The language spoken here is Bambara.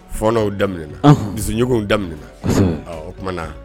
Fɔɔnɔw daminɛna ɔhɔn dusuɲɔgɔnw daminɛna kɔsɛbɛ . O tuma na